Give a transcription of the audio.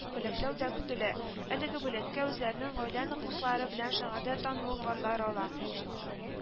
Бүләкләү дә көтелә, әлеге бүләккә үзләренең гаилә ныклыклары белән шәһәрдә танылу парлар ала